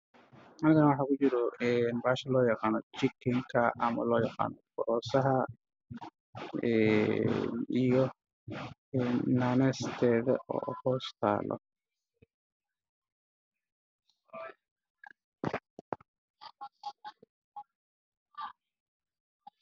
Waa miisa waxaa saaran jikin labo xabo ah oo ku jiro koob